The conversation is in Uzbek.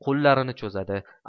qo'llarini cho'zadi